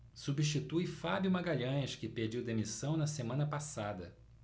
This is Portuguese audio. substitui fábio magalhães que pediu demissão na semana passada